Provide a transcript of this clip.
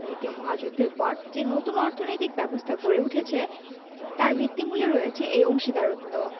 দ্বিতীয় মহাযুদ্ধের পর যে নতুন অর্থনৈতিক ব্যবস্থা গড়ে উঠেছে তার ভিত্তিমূলে রয়েছে এই অংশীদারত্ব